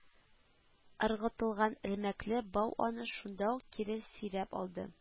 Ыргытылган элмәкле бау аны шунда ук кире сөйрәп алды